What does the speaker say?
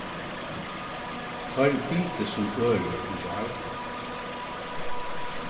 teir bitu sum ørir í gjár